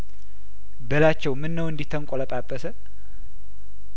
በላቸው ምነው እንዲህ ተንቆለጳጰሰ